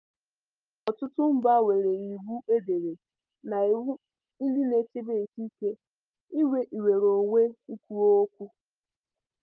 Ọtụtụ mba nwere iwu edere na iwu ndị na-echebe ikike inwe nnwereonwe ikwu okwu.